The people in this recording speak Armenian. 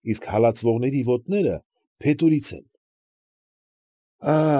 Իսկ հալածվողների ոտները փետուրից են։